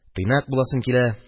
Тыйнак буласым килә!